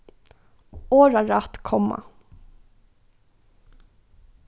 orðarætt komma